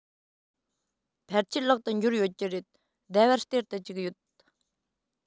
ཕལ ཆེར ལག ཏུ འབྱོར ཡོད ཀྱི རེད ཟླ བར སྟེར དུ བཅུག ཡོད